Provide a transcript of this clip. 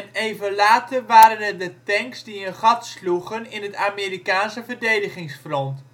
even later waren het de tanks die een gat sloegen in het Amerikaanse verdedigingsfront